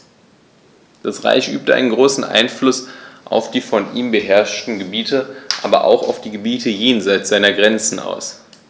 Das Reich übte einen großen Einfluss auf die von ihm beherrschten Gebiete, aber auch auf die Gebiete jenseits seiner Grenzen aus.